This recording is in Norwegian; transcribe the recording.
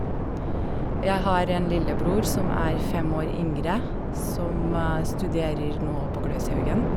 Jeg har en lillebror som er fem år yngre, som studerer nå på Gløshaugen.